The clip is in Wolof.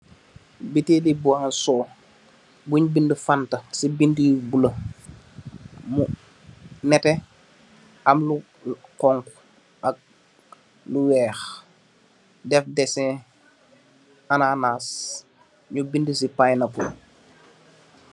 Buttel yi buwaso buñ bindi fanta ci bindi yu bula mu netteh am lu xonxu ak lu wèèx dèf dèseh ananas ñu bindi ci pineapple.